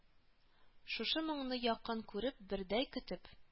Шушы моңны якын күреп, бердәй көтеп